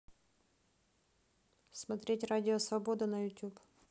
смотреть радио свобода на ютуб